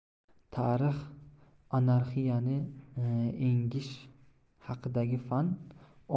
tarix anarxiyani engish haqidagi fan